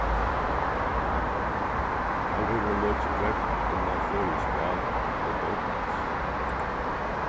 har hevur hon lokið prógv innan føroyskt mál og bókmentir